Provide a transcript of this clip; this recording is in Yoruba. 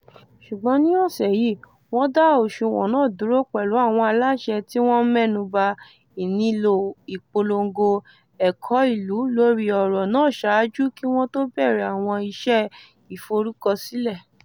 Ṣùgbọ́n ní ọ̀sẹ̀ yìí, wọ́n dá òṣùwọ̀n náà dúró, pẹ̀lú àwọn aláṣẹ tí wọ́n ń mẹ́nuba ìnílò ìpolongo 'Ẹ̀kọ́ Ìlú' lórí ọ̀rọ̀ náà ṣáájú kí wọ́n tó bẹ̀rẹ̀ àwọn iṣẹ́ ìforúkọsílẹ̀.